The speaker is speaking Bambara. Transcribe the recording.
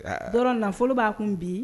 Dɔn nafolo b'a kun bi